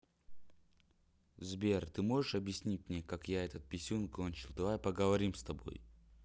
сбер а ты можешь мне объяснить как это я писюн кончил давай поговорим с тобой